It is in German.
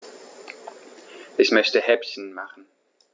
Ich möchte Häppchen machen.